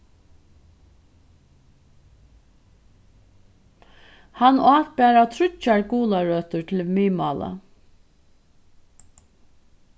hann át bara tríggjar gularøtur til miðmála